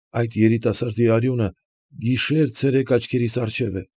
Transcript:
Այդ երիտասարդի այունը գիշեր֊ցերեկ աչքերիս առջև է։